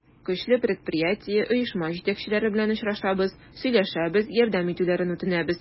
Көчле предприятие, оешма җитәкчеләре белән очрашабыз, сөйләшәбез, ярдәм итүләрен үтенәбез.